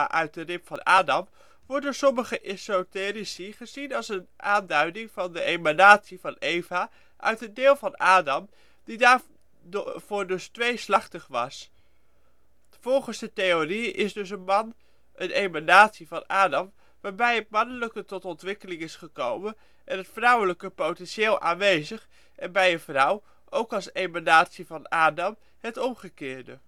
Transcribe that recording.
rib van Adam wordt door sommige esoterici gezien als een aanduiding van de emanatie van Eva uit een deel van Adam die daarvoor dus tweeslachtig was. Volgens die theorie is dus een man een emanatie van Adam waarbij het mannelijke tot ontwikkeling is gekomen en het vrouwelijke potentieel aanwezig en bij een vrouw, ook als emanatie van Adam het omgekeerde